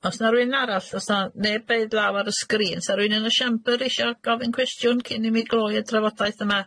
O's na rywun arall, 'o's 'na neb roid law ar y sgrin 's'a rywun yn y siambr isio gofyn cwestiwn cyn i mi gloi y drafodaeth yma?